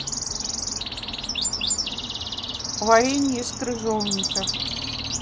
варенье из крыжовника